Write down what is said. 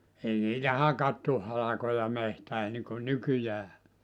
ei niitä hakattu halkoja metsään niin kuin nykyään